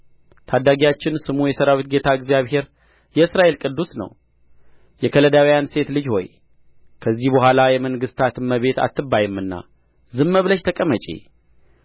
ታዳጊያችን ስሙ የሠራዊት ጌታ እግዚአብሔር የእስራኤል ቅዱስ ነው የከለዳውያን ሴት ልጅ ሆይ ከዚህ በኋላ የመንግሥታት እመቤት አትባይምና ዝም ብለሽ ተቀመጪ